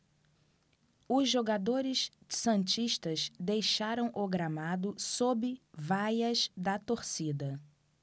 os jogadores santistas deixaram o gramado sob vaias da torcida